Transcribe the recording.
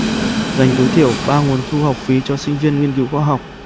dành tối thiểu ba nguồn thu học phí cho sinh viên nghiên cứu khoa học